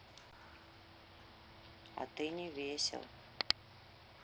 а ты не весел